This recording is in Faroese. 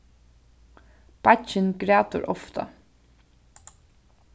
beiggin grætur ofta